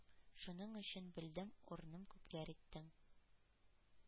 Шуның өчен, белдем, урным күкләр иттең.